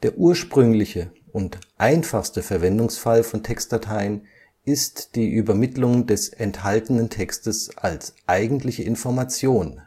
ursprüngliche und einfachste Verwendungsfall von Textdateien ist die Übermittlung des enthaltenen Textes als eigentliche Information